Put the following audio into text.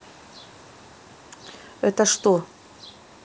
это что